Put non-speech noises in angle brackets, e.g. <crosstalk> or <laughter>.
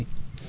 <hesitation> <hesitation>